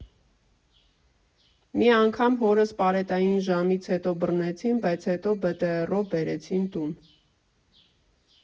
Մի անգամ հորս պարետային ժամից հետո բռնեցին, բայց հետո ԲՏՌ֊ով բերեցին տուն։